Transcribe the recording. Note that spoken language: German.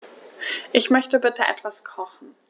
Ich möchte bitte etwas kochen.